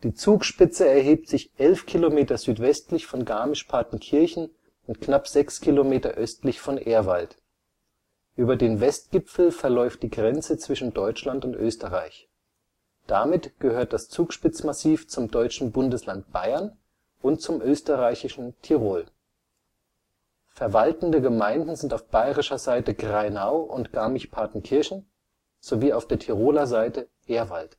Zugspitze erhebt sich elf Kilometer südwestlich von Garmisch-Partenkirchen und knapp sechs Kilometer östlich von Ehrwald. Über den Westgipfel verläuft die Grenze zwischen Deutschland und Österreich. Damit gehört das Zugspitzmassiv zum deutschen Bundesland Bayern und zum österreichischen Tirol. Verwaltende Gemeinden sind auf bayerischer Seite Grainau und Garmisch-Partenkirchen sowie auf der tiroler Seite Ehrwald